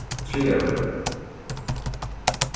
traðarvegur